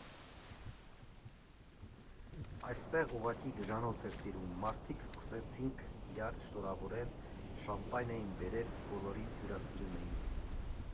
Այստեղ ուղղակի գժանոց էր տիրում, մարդիկ սկսեցինք իրար շնորհավորել, շամպայն էին բերել, բոլորին հյուրասիրում էին։